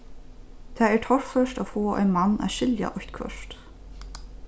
tað er torført at fáa ein mann at skilja eitthvørt